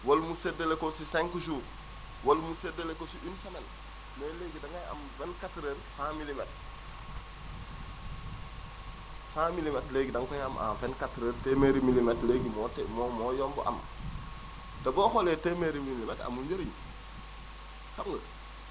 wala mu séddale ko si 5 jours wala mu séddale ko si une semaine mais léegi da ngay am 24 heures 100 milimètres 100 milimètres léegi da nga koy am en 24 heures téeméeri milimètres léegi moo tee moo moo yomb a am te boo xoolee téeméeri milimètres amul njëriñ xam nga